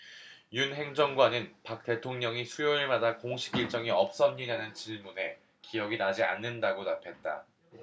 윤 행정관은 박 대통령이 수요일마다 공식일정이 없었느냐는 질문에 기억이 나지 않는다고 답했다